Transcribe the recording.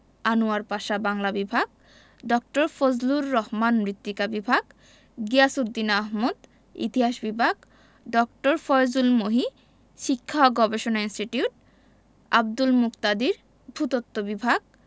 আনোয়ার পাশা বাংলা বিভাগ ড. ফজলুর রহমান মৃত্তিকা বিভাগ গিয়াসউদ্দিন আহমদ ইতিহাস বিভাগ ড. ফয়জুল মহি শিক্ষা ও গবেষণা ইনস্টিটিউট আব্দুল মুকতাদির ভূ তত্ত্ব বিভাগ